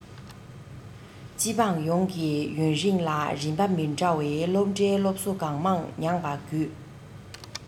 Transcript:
སྤྱི འབངས ཡོངས ཀྱིས ཡུན རིང ལ རིམ པ མི འདྲ བའི སློབ གྲྭའི སློབ གསོ གང མང མྱངས པ བརྒྱུད